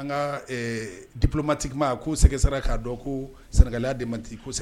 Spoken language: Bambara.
An ka dioromatigima ko sɛgɛ sara k'a dɔn ko sangaya de matigi kosɛbɛ